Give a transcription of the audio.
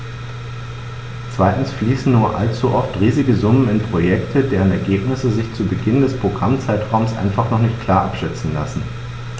Zweitens fließen nur allzu oft riesige Summen in Projekte, deren Ergebnisse sich zu Beginn des Programmzeitraums einfach noch nicht klar abschätzen lassen.